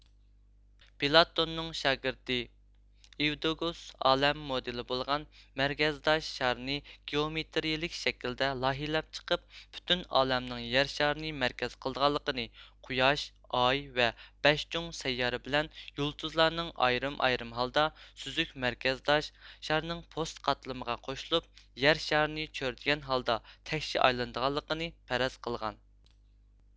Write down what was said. پلاتوننىڭ شاگىرتى ئېۋدۇكۇس ئالەم مودېلى بولغان مەركەزداش شارنى گېئومېتىرىيىلىك شەكىلدە لايىھىلەپ چىقىپ پۈتۈن ئالەمنىڭ يەر شارىنى مەركەز قىلىدىغانلىقىنى قۇياش ئاي ۋە بەش چوڭ سەييارە بىلەن يۇلتۇزلارنىڭ ئايرىم ئايرىم ھالدا سۈزۈك مەركەزداش شارنىڭ پوست قاتلىمىغا قوشۇلۇپ يەر شارىنى چۆرىدىگەن ھالدا تەكشى ئايلىنىدىغانلىقىنى پەرەز قىلغان